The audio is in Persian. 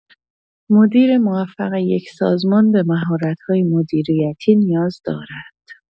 مدیر موفق یک سازمان به مهارت‌های مدیریتی نیاز دارد.